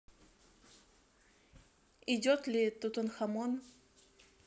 идет ли тутанхамон